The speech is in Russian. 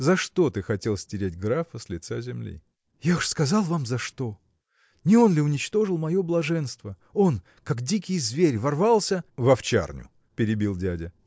– за что ты хотел стереть графа с лица земли? – Я уж сказал вам за что! не он ли уничтожил мое блаженство? Он, как дикий зверь, ворвался. – В овчарню! – перебил дядя.